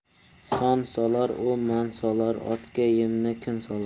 sansolar u mansolar otga yemni kim solar